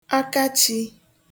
Akachī